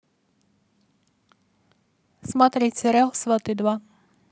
смотреть сериал сваты два